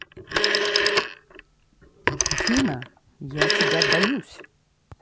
афина я тебя боюсь